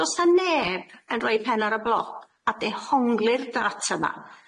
do's na neb yn roi pen ar y bloc a dehongli'r data ma.